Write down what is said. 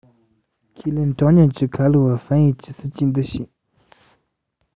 ཁས ལེན དྲང སྙོམས ཀྱི ཁ ལོ བ ཧྥན ཡུས གྱིས སྲིད ཇུས འདི ཤེས